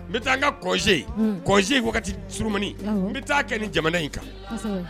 N bɛ taa n ka kɔe kɔe ye wagati surumani n bɛ taa kɛ nin jamana in kan